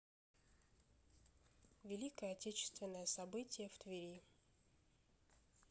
великая отечественная события в твери